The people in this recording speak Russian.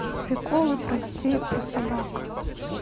приколы про детей про собак